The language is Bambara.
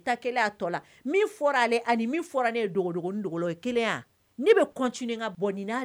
Ta kɛlen y'a tɔ la min fɔr'ale ye ani min fɔra ne ye dogodogonin dogo la o ye 1 ye a ne be continuer ŋa bon ni n'a